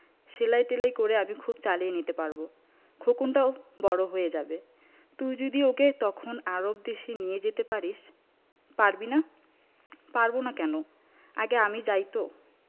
সেলাই টেলাই করে আমি খুব চালিয়ে নিতে পারব খোকনটাও বড় হয়ে যাবে তুই যদি ওকেও তখন আরব দেশে নিয়ে যেতে পারিস পারবি না পারব না কেন আগে আমি যাই তো